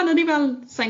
O'n i fel,